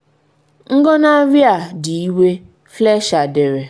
“Ngọnarị a dị iwe,” Fleischer dere.